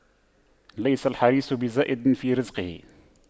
ليس الحريص بزائد في رزقه